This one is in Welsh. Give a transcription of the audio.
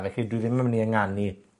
Felly, dwi ddim yn myn' i ynganu